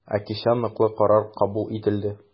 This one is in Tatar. Ә кичә ныклы карар кабул ителде.